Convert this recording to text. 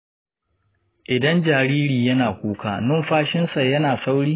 idan jariri yana kuka, numfashinsa yana sauri.